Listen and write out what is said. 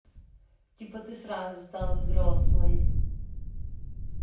типа ты сразу стала взрослой